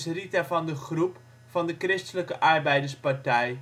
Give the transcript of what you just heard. Rita van de Groep - Christelijke Arbeiders Partij